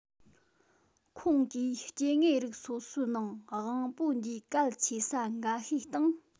ཁོང གིས སྐྱེ དངོས རིགས སོ སོའི ནང དབང པོ འདིའི གལ ཆེ ས འགའ ཤས སྟེང